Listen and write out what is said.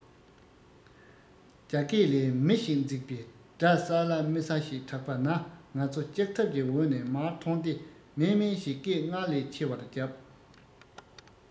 རྒྱ སྐས ལས མི ཞིག འཛེགས པའི སྒྲ གསལ ལ མི གསལ ཞིག གྲགས པ ན ང ཚོ ལྕགས ཐབ ཀྱི འོག ནས མར ཐོན ཏེ མཱེ མཱེ ཞེས སྐད སྔར ལས ཆེ བར བརྒྱབ